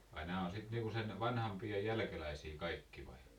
ai nämä on sitten niin kuin sen vanhanpiian jälkeläisiä kaikki vai